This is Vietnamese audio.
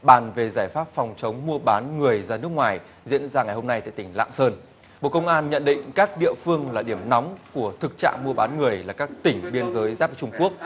bàn về giải pháp phòng chống mua bán người ra nước ngoài diễn ra ngày hôm nay tại tỉnh lạng sơn bộ công an nhận định các địa phương là điểm nóng của thực trạng mua bán người là các tỉnh biên giới giáp trung quốc